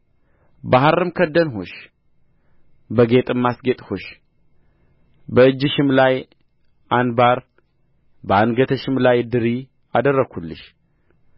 በሐርም ከደንሁሽ በጌጥም አስጌጥሁሽ በእጅሽም ላይ አንባር በአንገትሽም ላይ ድሪ አደረግሁልሽ